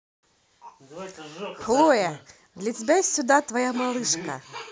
хлоя для тебя сюда твоя малышка